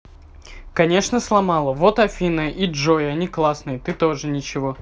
конечно сломана вот афина и джой они классные ты тоже ничего